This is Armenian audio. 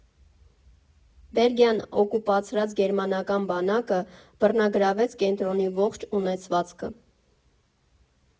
Բելգիան օկուպացրած գերմանական բանակը բռնագրավեց կենտրոնի ողջ ունեցվածքը։